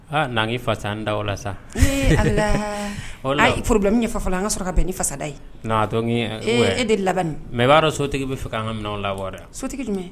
N'an' fasa da o la sa ɔ n' yeorobi min fɔlɔ la an ka sɔrɔ bɛn ni fasada ye n'atɔ e de labɛn mɛ b'a dɔn sotigi b bɛa fɛ an ka minɛn la sotigi jumɛn